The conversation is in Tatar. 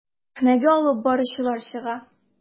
Сәхнәгә алып баручылар чыга.